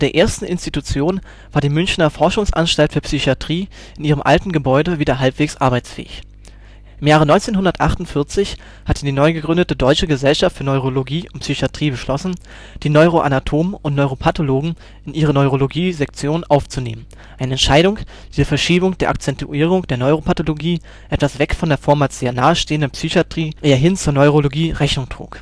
ersten Institutionen war die Münchner Forschungsanstalt für Psychiatrie in ihrem alten Gebäude wieder halbwegs arbeitsfähig. Im Jahre 1948 hatte die neugegründete Deutsche Gesellschaft für Neurologie und Psychiatrie beschlossen, die Neuroanatomen und Neuropathologen in ihre Neurologie-Sektion aufzunehmen, eine Entscheidung, die der Verschiebung der Akzentuierung der Neuropathologie etwas weg von der vormals sehr nahestehenden Psychiatrie eher hin zur Neurologie Rechnung trug